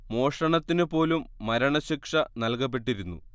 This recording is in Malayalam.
മോഷണത്തിനു പോലും മരണ ശിക്ഷ നൽകപ്പെട്ടിരുന്നു